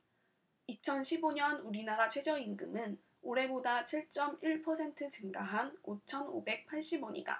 이천 십 오 년 우리나라 최저임금은 올해보다 칠 쩜 일 퍼센트 증가한 오천 오백 팔십 원이다